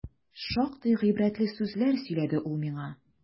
Шактый гыйбрәтле сүзләр сөйләде ул миңа.